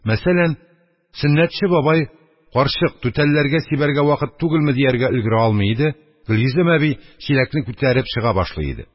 Мәсәлән, Сөннәтче бабай: «Карчык, түтәлләргә сибәргә вакыт түгелме?» – дияргә өлгерә алмый иде, Гөлйөзем әби чиләкне күтәреп чыга башлый иде.